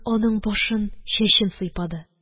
Аның башын, чәчен сыйпады.